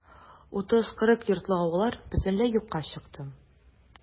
30-40 йортлы авыллар бөтенләй юкка чыкты.